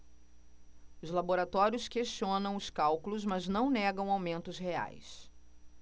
os laboratórios questionam os cálculos mas não negam aumentos reais